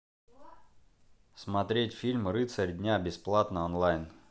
смотреть фильм рыцарь дня бесплатно онлайн